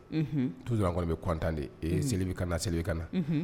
Tuurun kɔni bɛ kɔntan de seli bɛ ka seli ka na